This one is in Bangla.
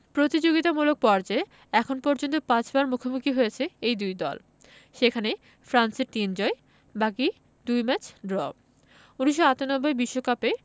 প্রতিযোগিতামূলক পর্যায়ে এখন পর্যন্ত পাঁচবার মুখোমুখি হয়েছে এই দুই দল সেখানে ফ্রান্সের তিন জয় বাকি দুই ম্যাচ ড্র ১৯৯৮ বিশ্বকাপ